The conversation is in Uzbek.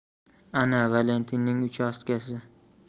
ana valentinning uchastkasi